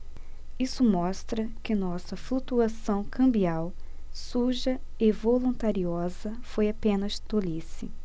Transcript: isso mostra que nossa flutuação cambial suja e voluntariosa foi apenas tolice